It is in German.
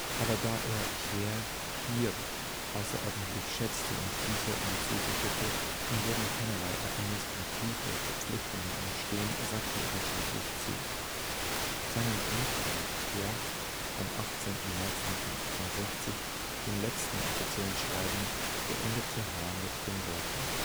aber da er Père Pire außerordentlich schätzte, und dieser ihm zusicherte, ihm würden keinerlei administrative Verpflichtungen entstehen, sagte er schließlich zu. Seinen Brief an Pire vom 18. März 1968 – dem letzten offiziellen Schreiben – beendete Hahn mit den Worten